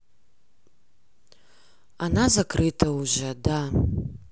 она закрыта уже да